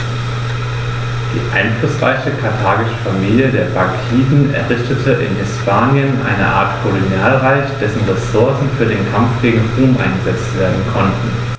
Die einflussreiche karthagische Familie der Barkiden errichtete in Hispanien eine Art Kolonialreich, dessen Ressourcen für den Kampf gegen Rom eingesetzt werden konnten.